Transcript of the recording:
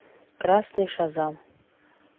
красный шазам